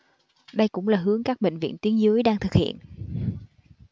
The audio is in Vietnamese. đây cũng là hướng các bệnh viện tuyến dưới đang thực hiện